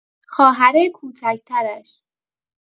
خواهر کوچک‌ترش